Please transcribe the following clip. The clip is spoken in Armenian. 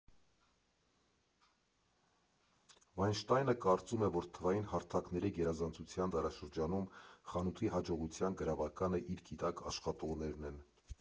Վայնշտայնը կարծում է, որ թվային հարթակների գերազանցության դարաշրջանում խանութի հաջողության գրավականը իր գիտակ աշխատողներն են։